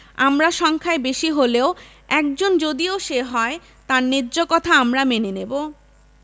আমরা সংখ্যায় বেশি হলেও একজন যদিও সে হয় তার ন্যায্য কথা আমরা মেনে নেবো